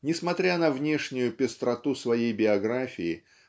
Несмотря на внешнюю пестроту своей биографии